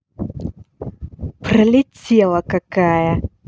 пролетела какая